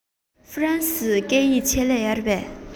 ཧྥ རན སིའི སྐད ཡིག ཆེད ལས ཡོད རེད པས